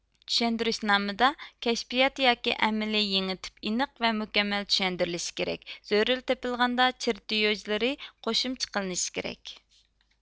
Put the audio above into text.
چۈشەندۈرۈشنامىدا كەشپىيات ياكى ئەمەلىي يېڭى تىپ ئېنىق ۋە مۇكەممەل چۈشەندۈرۈلۈشى كېرەك زۆرۈرتېپىلغاندا چېرتيۇژلىرى قوشۇمچە قىلىنىشى كېرەك